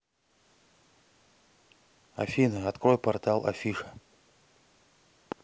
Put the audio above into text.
афина открой портал афиша